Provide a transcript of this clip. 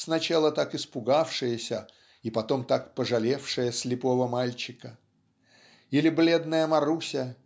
сначала так испугавшаяся и потом так пожалевшая слепого мальчика или бледная Маруся